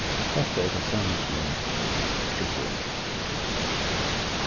hetta er tað sama sum ein proton